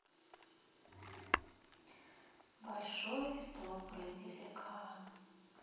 большой добрый великан